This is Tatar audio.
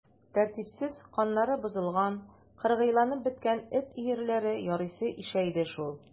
Тәртипсез, каннары бозылган, кыргыйланып беткән эт өерләре ярыйсы ишәйде шул.